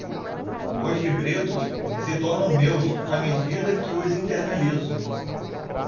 os libretos se tornam meus à medida que os internalizo